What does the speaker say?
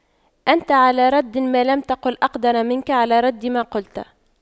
أنت على رد ما لم تقل أقدر منك على رد ما قلت